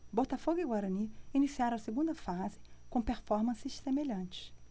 botafogo e guarani iniciaram a segunda fase com performances semelhantes